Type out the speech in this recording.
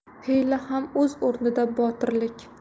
hiyla ham o'z o'rnida botirlik